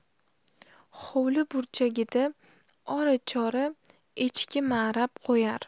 hovli burchagida ora chora echki marab qo'yar